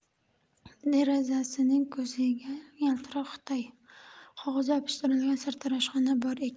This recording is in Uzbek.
derazasining ko'ziga yaltiroq xitoy qog'oz yopishtirilgan sartaroshxona bor ekan